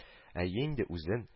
Әйе инде, үзен